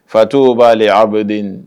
Fatu b'aale aw amaduden